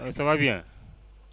ça va bien